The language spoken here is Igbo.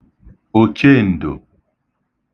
òcheǹdò